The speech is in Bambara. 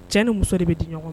Cɛ ni muso de bɛ di ɲɔgɔn